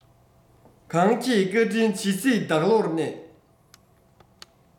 གང ཁྱེད བཀའ དྲིན ཇི སྲིད བདག བློར གནས